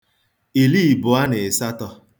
ìliị̀bụ̀ọ nà ị̀satọ̄